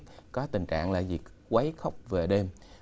có tình trạng là việc quấy khóc về đêm